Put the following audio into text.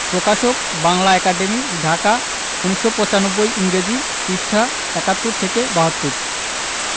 প্রকাশকঃ বাংলা একাডেমী ঢাকা ১৯৯৫ ইংরেজি পৃঃ ৭১ থেকে ৭২